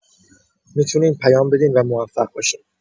می‌تونین پیام بدین و موفق باشین.